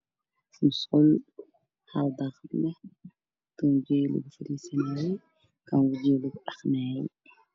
Musqul hal daqad leh tunjiga lagu farisanayo kan wejiga lagu dhaqanaayo